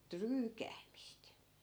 tryykäämistä